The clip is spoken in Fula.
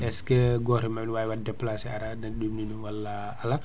est ce que goto e mabɓe ne wawi wadde déplacé ara ɗum ɗin ɗum walla ala